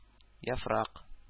Яфрак